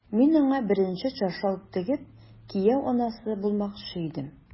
Мин аңа беренче чаршау тегеп, кияү анасы булмакчы идем...